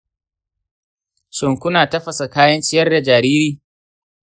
shin kuna tafasa kayan ciyar da jariri?